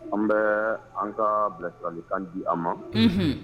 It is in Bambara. An bɛɛ an kaa bilasiralikan di a ma unhun